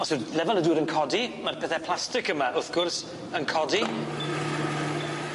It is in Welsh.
Os yw'r lefel y dŵr yn codi, ma'r pethe plastic yma, wrth gwrs, yn codi.